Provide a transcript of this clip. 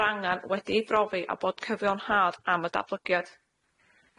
yr angan wedi'i brofi a bod cyfiawnhad am y datblygiad.